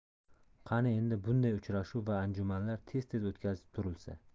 qani endi bunday uchrashuv va anjumanlar tez tez o'tkazib turilsa